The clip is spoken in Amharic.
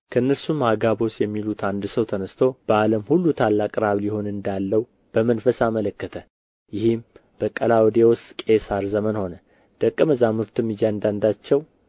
ከእነርሱም አጋቦስ የሚሉት አንድ ሰው ተነሥቶ በዓለም ሁሉ ታላቅ ራብ ሊሆን እንዳለው በመንፈስ አመለከተ ይህም በቀላውዴዎስ ቄሣር ዘመን ሆነ ደቀ መዛሙርትም እያንዳንዳቸው